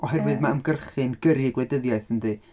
Oherwydd mae ymgyrchu yn gyrru gwleidyddiaeth yndi?